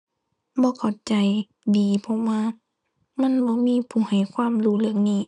บ่เข้าใจดี เพราะว่ามันบ่มีผู้ให้ความรู้เรื่องนี้